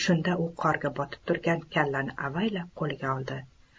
shunda u qorga botib turgan kallani avaylab qo'liga oldi